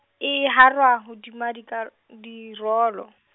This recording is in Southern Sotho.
e hara hodima dikar-, dirolo.